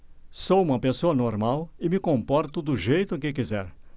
sou homossexual e me comporto do jeito que quiser